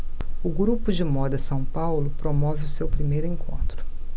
o grupo de moda são paulo promove o seu primeiro encontro